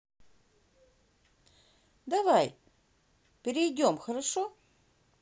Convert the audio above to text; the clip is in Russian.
давай перейдем хорошо